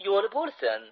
yo'l bo'lsin